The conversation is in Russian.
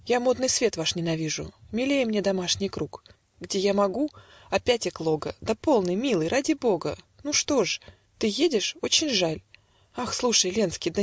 - Я модный свет ваш ненавижу; Милее мне домашний круг, Где я могу. - "Опять эклога! Да полно, милый, ради бога. Ну что ж? ты едешь: очень жаль. Ах, слушай, Ленский